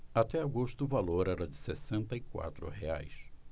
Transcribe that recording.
até agosto o valor era de sessenta e quatro reais